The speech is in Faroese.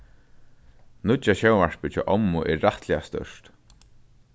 nýggja sjónvarpið hjá ommu er rættiliga stórt